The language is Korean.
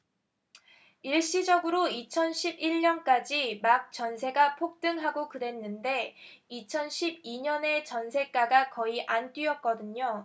일시적으로 이천 십 일 년까지 막 전세가 폭등하고 그랬는데 이천 십 이 년에 전세가가 거의 안 뛰었거든요